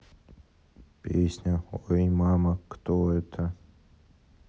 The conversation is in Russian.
песня ой мама кто это